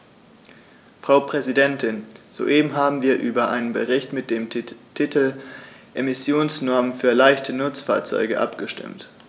Frau Präsidentin, soeben haben wir über einen Bericht mit dem Titel "Emissionsnormen für leichte Nutzfahrzeuge" abgestimmt.